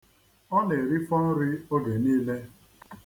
Ọ na-erifo nri oge nri oge niile.